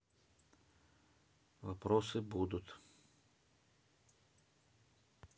вопросы будут